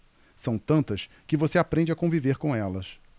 são tantas que você aprende a conviver com elas